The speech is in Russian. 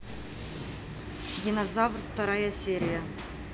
динозавр вторая серия